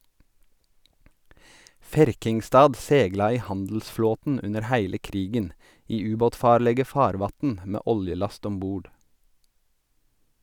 Ferkingstad segla i handelsflåten under heile krigen, i ubåtfarlege farvatn , med oljelast om bord.